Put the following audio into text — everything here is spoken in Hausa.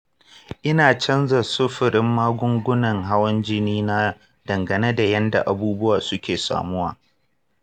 ina canza sunfurin magungunan hawan jini na dangane da yanda abubuwa suke samuwa.